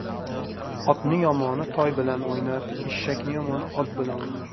otning yomoni toy bilan o'ynar eshakning yomoni ot bilan o'ynar